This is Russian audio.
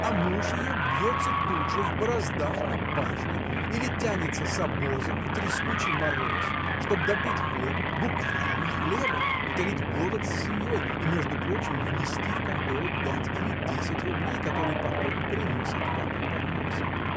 А муж ее бьется тут же, в бороздах на пашне, или тянется с обозом в трескучий мороз, чтоб добыть хлеба, буквально хлеба — утолить голод с семьей, и, между прочим, внести в контору пять или десять рублей, которые потом приносят вам на подносе.